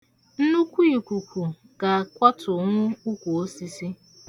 Nnukwu ikuku ga-akwatunwu ukwu osisi.